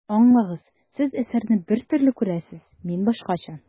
Аңлагыз, Сез әсәрне бер төрле күрәсез, мин башкача.